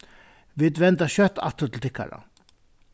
vit venda skjótt aftur til tykkara